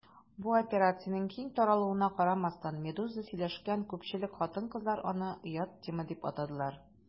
Бу операциянең киң таралуына карамастан, «Медуза» сөйләшкән күпчелек хатын-кызлар аны «оят тема» дип атадылар.